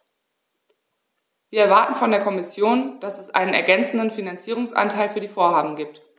Wir erwarten von der Kommission, dass es einen ergänzenden Finanzierungsanteil für die Vorhaben gibt.